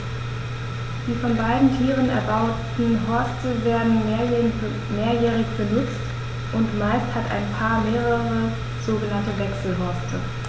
Die von beiden Tieren erbauten Horste werden mehrjährig benutzt, und meist hat ein Paar mehrere sogenannte Wechselhorste.